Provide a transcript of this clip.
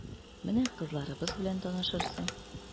Менә кызларыбыз белән танышырсың...